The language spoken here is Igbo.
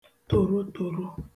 tòrotòro